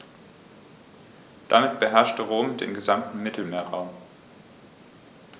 Damit beherrschte Rom den gesamten Mittelmeerraum.